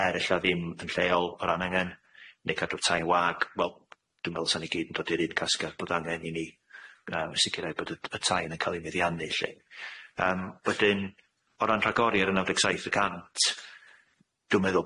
er ella ddim yn lleol o ran angen ne' cadw tai'n wag wel dwi'n me'wl sa ni gyd yn dod i'r un casgar bod angen i ni yy sicirhau bod y y tai yn yn ca'l i meddiannu lly yym wedyn o ran rhagori ar y naw deg saith y cant dwi'n meddwl